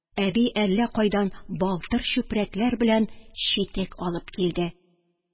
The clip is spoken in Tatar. Әби әллә кайдан балтыр чүпрәкләр белән читек алып килде.